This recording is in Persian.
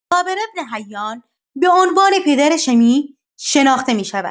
جابر بن حیان به عنوان پدر شیمی شناخته می‌شود.